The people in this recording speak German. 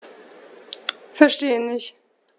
Verstehe nicht.